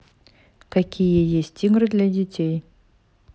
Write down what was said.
какие есть игры для детей